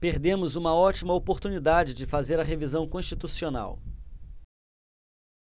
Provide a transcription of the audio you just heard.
perdemos uma ótima oportunidade de fazer a revisão constitucional